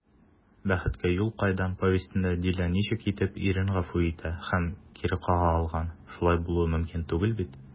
«бәхеткә юл кайдан» повестенда дилә ничек итеп ирен гафу итә һәм кире кага алган, шулай булуы мөмкин түгел бит?»